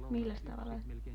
milläs tavalla